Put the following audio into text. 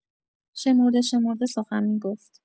شمرده‌شمرده سخن می‌گفت.